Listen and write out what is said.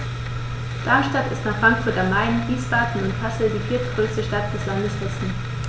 Darmstadt ist nach Frankfurt am Main, Wiesbaden und Kassel die viertgrößte Stadt des Landes Hessen